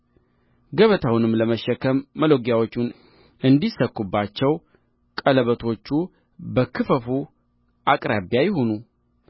ገበታውንም ለመሸከም መሎጊያዎቹ እንዲሰኩባቸው ቀለበቶቹ በክፈፉ አቅራቢያ ይሁኑ